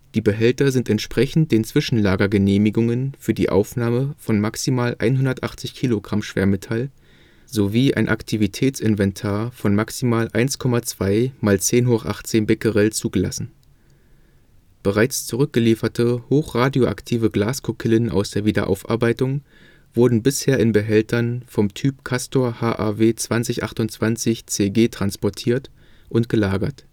Die Behälter sind entsprechend den Zwischenlagergenehmigungen für die Aufnahme von maximal 180 kg Schwermetall sowie ein Aktivitätsinventar von maximal 1,2·1018 Bq zugelassen. Bereits zurückgelieferte hochradioaktive Glaskokillen aus der Wiederaufarbeitung wurden bisher in Behältern vom Typ CASTOR HAW 20/28 CG transportiert und gelagert